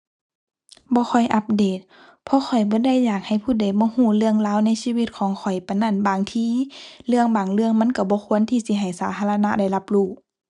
บ่ค่อยอัปเดต เพราะข้อยบ่ได้อยากให้ผู้ใดมารู้เรื่องราวในชีวิตของข้อยปานนั้น บางทีเรื่องบางเรื่องมันรู้บ่ควรที่สิให้สาธารณะได้รับรู้